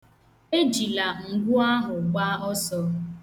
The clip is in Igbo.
Ejila ngwu ahụ gbaa ọsọ.